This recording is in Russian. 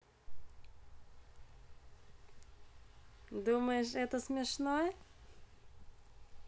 думаешь это смешно